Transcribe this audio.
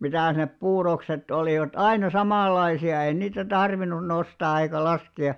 mitäs ne puurokset olivat aina samanlaisia ei niitä tarvinnut nostaa eikä laskea